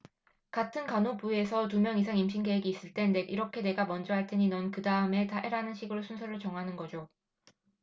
같은 간호부에서 두 명 이상 임신 계획이 있을 땐 이렇게 내가 먼저 할 테니 넌 그다음에 해라는 식으로 순서를 정하는 거죠